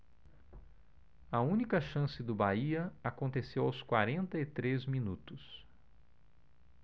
a única chance do bahia aconteceu aos quarenta e três minutos